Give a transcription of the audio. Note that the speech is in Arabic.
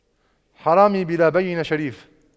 حرامي بلا بَيِّنةٍ شريف